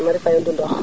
Marie Faye o Ndoundookh